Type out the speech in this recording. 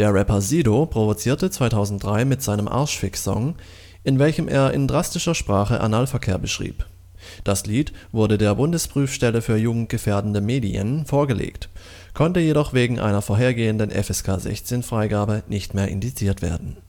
Rapper Sido provozierte 2003 mit seinem Arschficksong, in welchem er in drastischer Sprache Analverkehr beschreibt. Das Lied wurde der Bundesprüfstelle für jugendgefährdende Medien vorgelegt, konnte jedoch wegen einer vorhergehenden FSK-16-Freigabe nicht mehr indiziert werden